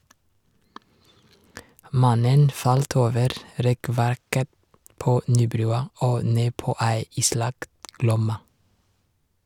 Mannen falt over rekkverket på Nybrua og ned på ei islagt Glomma.